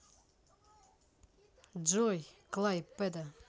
джой клайпеда